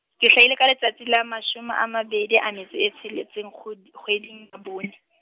ke hlahile ka letsatsi la mashome a mabedi a metso e tsheletseng kgwed-, kgweding ya bone.